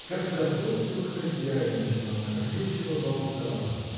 Как заботливо хозяйничала она, как весело болтала!